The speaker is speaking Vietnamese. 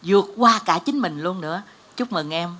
vượt qua cả chính mình luôn nữa chúc mừng em